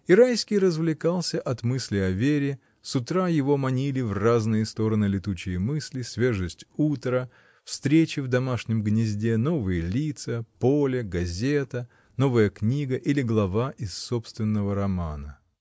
И Райский развлекался от мысли о Вере, с утра его манили в разные стороны летучие мысли, свежесть утра, встречи в домашнем гнезде, новые лица, поле, газета, новая книга или глава из собственного романа.